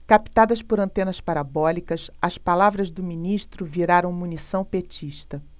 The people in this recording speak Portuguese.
captadas por antenas parabólicas as palavras do ministro viraram munição petista